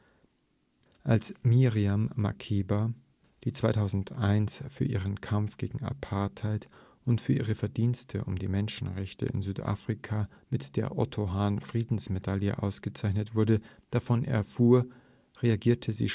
Als Miriam Makeba, die 2001 für ihren Kampf gegen die Apartheid und für ihre Verdienste um die Menschenrechte in Südafrika mit der Otto-Hahn-Friedensmedaille ausgezeichnet wurde, davon erfuhr, reagierte sie